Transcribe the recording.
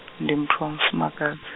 ndi muthu wa mufumakadzi.